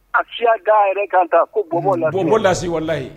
A siya d'a yɛrɛ kan tan ko Bɔbɔ Lasi , ko Bɔbɔ Lassi ,alalayi.